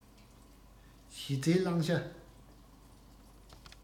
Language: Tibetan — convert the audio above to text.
གཞི རྩའི བླང བྱ